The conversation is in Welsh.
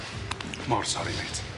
Mor sori, mate.